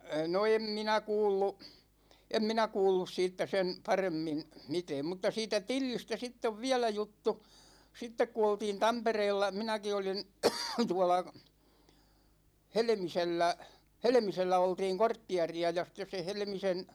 no en minä kuullut en minä kuullut siitä sen paremmin mitään mutta siitä Tillistä sitten on vielä juttu sitten kun oltiin Tampereella minäkin olin tuolla Helmisellä Helmisellä oltiin kortteeria ja sitten se Helmisen